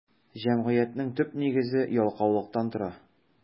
Җәмгыятьнең төп нигезе ялкаулыктан тора.